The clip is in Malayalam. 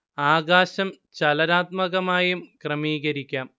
ആകാശം ചലനാത്മകമായും ക്രമീകരിക്കാം